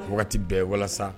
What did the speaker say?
Wagati bɛɛ walasa